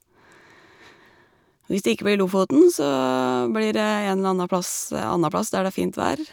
Hvis det ikke blir Lofoten, så blir det en eller anna plass anna plass, der det er fint vær.